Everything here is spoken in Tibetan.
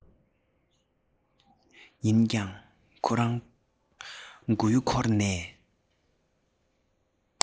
ཡིན ཀྱང ཁོ རང མགོ ཡུ འཁོར ནས